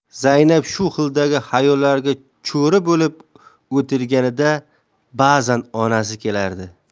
zaynab shu xildagi xayollarga cho'ri bo'lib o'tirganida ba'zan onasi kelardi